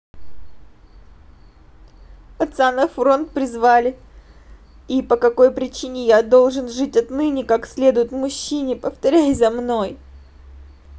отца на фронт призвали и по какой причине я должен жить отныне как следует мужчине повторяй за мной